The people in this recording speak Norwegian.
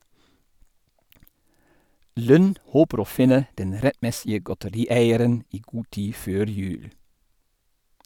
Lund håper å finne den rettmessige godterieieren i god tid før jul.